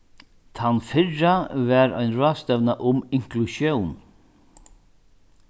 tann fyrra var ein ráðstevna um inklusjón